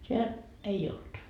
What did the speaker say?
siellä ei ollut